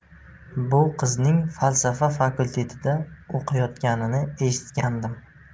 bu qizning falsafa fakultetida o'qiyotganini eshitgandim